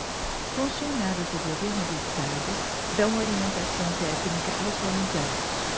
funcionários do governo do estado dão orientação técnica aos voluntários